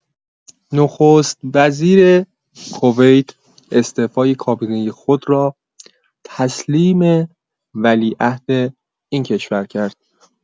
نخست‌وزیر کویت استعفای کابینه خود را تسلیم ولیعهد این کشور کرد.